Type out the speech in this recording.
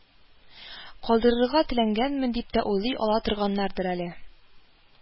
Калдырырга теләгәнмен дип тә уйлый ала торганнардыр әле